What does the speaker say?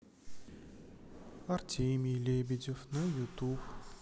артемий лебедев на ютуб